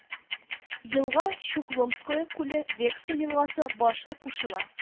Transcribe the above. Елга Чухломское күле Вексы елгасы башы кушыла